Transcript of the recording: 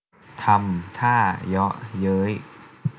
ทำท่าเยาะเย้ย